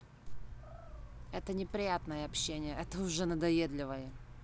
это неприятное общение это уже надоедливое